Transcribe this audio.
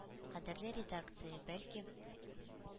Кадерле редакция! Бәлки,